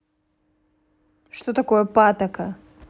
что такое патока